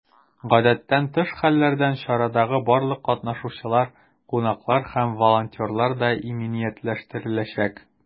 Гадәттән тыш хәлләрдән чарадагы барлык катнашучылар, кунаклар һәм волонтерлар да иминиятләштереләчәк.